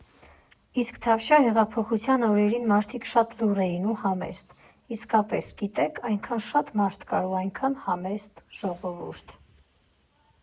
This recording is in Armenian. Իսկ Թավշյա հեղափոխության օրերին մարդիկ շատ լուռ էին ու համեստ, իսկապես, գիտե՞ք, այդքան շատ մարդ կար ու այդքան համեստ ժողովուրդ։